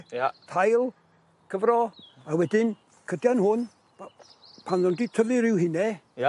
Tail, cyfro, a wedyn cydian hwn b- pan o'n nhw di tyfu ryw hune. Ia.